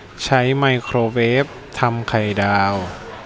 ใช้ไมโครเวฟทำไข่ดาว